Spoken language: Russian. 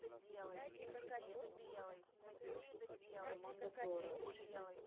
команда флора